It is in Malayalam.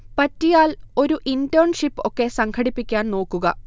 പറ്റിയാൽ ഒരു ഇന്റേൺഷിപ്പ് ഒക്കെ സംഘടിപ്പിക്കാൻ നോക്കുക